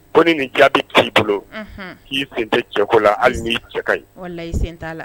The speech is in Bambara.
Ko nin jaabi k'i bolo k'i sen tɛ cɛko la hali'i cɛ ka ɲi la